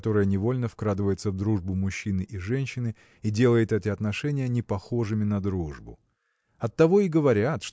которая невольно вкрадывается в дружбу мужчины и женщины и делает эти отношения непохожими на дружбу. Оттого и говорят